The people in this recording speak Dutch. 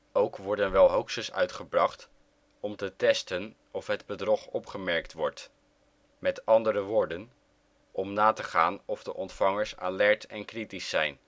Ook worden wel hoaxes uitgebracht om te testen of het bedrog opgemerkt wordt, met andere woorden, om na te gaan of de ontvangers alert en kritisch zijn